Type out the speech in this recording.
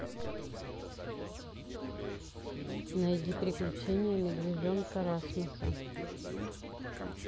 найди приключения медвежонка расмоса